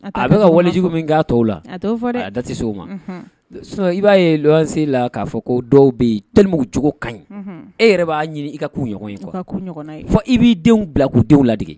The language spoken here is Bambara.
A bɛka ka walejugu min k'a to la a da se o ma i b'a ye se la k'a fɔ ko dɔw bɛbugu cogo ka ɲi e yɛrɛ b'a ɲini i ka k'u ɲɔgɔn ye i b'i denw bila k'u denw lade